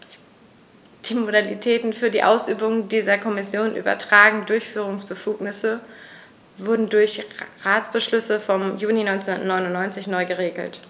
Die Modalitäten für die Ausübung dieser der Kommission übertragenen Durchführungsbefugnisse wurden durch Ratsbeschluss vom Juni 1999 neu geregelt.